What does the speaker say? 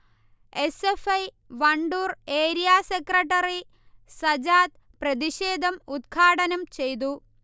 S. F. I. Wandoor area secretary Sajad പ്രതിഷേധം ഉദ്ഘാടനം ചെയ്തു